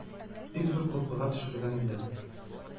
Бик зур куркуга төшергән иде.